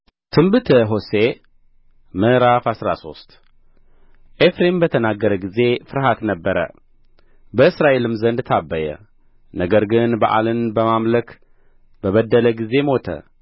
ትንቢተ ሆሴዕ ምዕራፍ አስራ ሶስት ኤፍሬም በተናገረ ጊዜ ፍርሃት ነበረ በእስራኤልም ዘንድ ታበየ ነገር ግን በኣልን በማምለክ በበደለ ጊዜ ሞተ